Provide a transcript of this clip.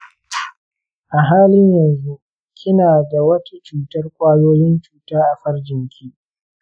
a halin yanzu, kina da wata cutar kwayoyin cuta a farjinki?